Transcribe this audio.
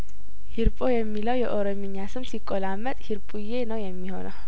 ሂርጶ የሚለው የኦሮምኛ ስም ሲቆላ መጥ ሂርጱዬ ነው የሚሆነው